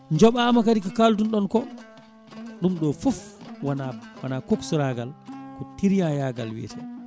jooɓamo kadi ko kaldunoɗon ko ɗum ɗo foof wona wona coxeur agal ko tuand yagal wiyete